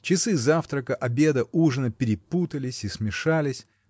часы завтрака, обеда, ужина перепутались и смешались